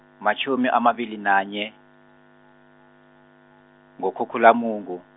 matjhumi amabili nanye, kuKhukhulamungu.